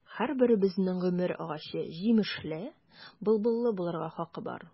Һәрберебезнең гомер агачы җимешле, былбыллы булырга хакы бар.